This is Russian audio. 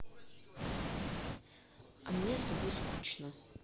а мне с тобой скучно